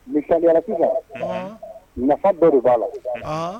Nisayaraki nafa dɔ de b'a la